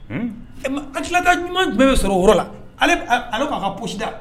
A tilala ka ɲuman jumɛn bɛ sɔrɔ o woro la ale'a ka pda